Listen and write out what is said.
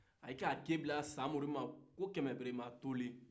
u ye ki bila samori ma ko kemɛ-berema tora